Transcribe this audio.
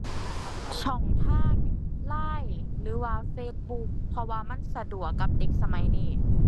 ช่องทาง LINE หรือว่า Facebook เพราะว่ามันสะดวกกับเด็กสมัยนี้